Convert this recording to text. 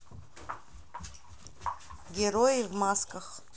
герои в масках